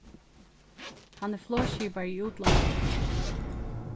hann er flogskipari í útlondum